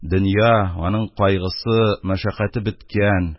Дөнья, аның кайгысы, мәшәкате беткән,